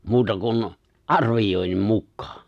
muuta kuin arvioinnin mukaan